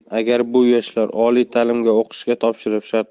agar bu yoshlar oliy ta'limga o'qishga topshirib